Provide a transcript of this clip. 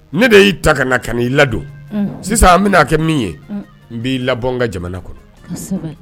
Ne de y'i ta ka na ka i ladon sisan an bɛna a kɛ min ye, n b'i labɔn n ka jamana kɔnɔ ,kosɛbɛ.